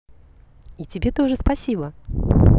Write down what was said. и тебе тоже спасибо